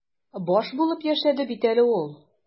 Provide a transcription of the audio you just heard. Баш булып яшәде бит әле ул.